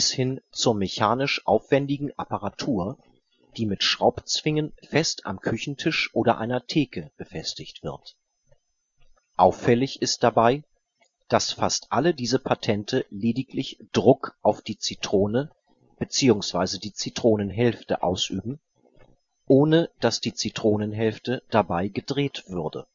hin zur mechanisch aufwändigen Apparatur, die mit Schraubzwingen fest am Küchentisch oder einer Theke befestigt wird. Auffällig ist dabei, dass fast alle diese Patente lediglich Druck auf die Zitrone beziehungsweise die Zitronenhälfte ausüben, ohne dass die Zitronenhälfte dabei gedreht würde